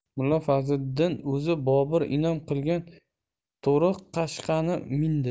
mulla fazliddin o'zi bobur inom qilgan to'riq qashqani mindi